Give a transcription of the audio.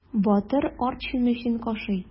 Батыр арт чүмечен кашый.